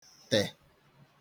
tè